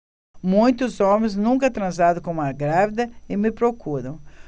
muitos homens nunca transaram com uma grávida e me procuram